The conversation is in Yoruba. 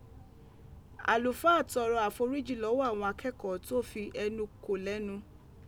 Àlùfáà tọrọ àforíjì lọ́wọ́ àwọn akẹ́kọ̀ọ́ tó fi ẹnu kò lẹ́nu